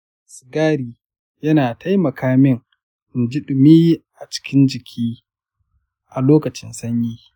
sigari yana taimaka min in ji dumi a cikin jiki a lokacin sanyi.